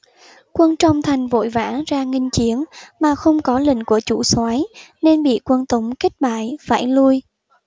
quân trong thành vội vã ra nghênh chiến mà không có lệnh của chủ soái nên bị quân tống kích bại phải lui